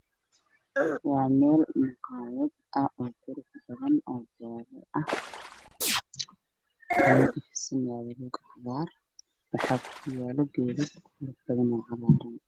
Meeshaan waa meel maqaayad ah oo qurux badan oo jaale ah roogaga fidsana waa cagaar waxaa kuyaalo geed cagaaran.